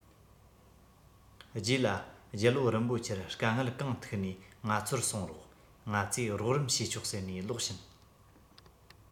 རྗེས ལ རྒྱལ པོ རིན པོ ཆེར དཀའ ངལ གང ཐུག ནའི ང ཚོར གསུང རོགས ང ཚོས རོགས རམ ཞུས ཆོག ཟེར ནས ལོག ཕྱིན